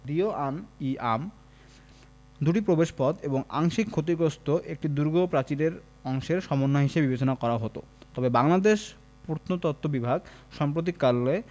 দীউয়ান ই আম দুটি প্রবেশপথ এবং আংশিক ক্ষতিগ্রস্ত একটি দুর্গ প্রাচীরের অংশের সমন্বয় হিসেবে বিবেচনা করা হতো তবে বাংলাদেশ প্রত্নতত্ত্ব বিভাগ সাম্প্রতিককালে